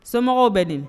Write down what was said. Somɔgɔw bɛ di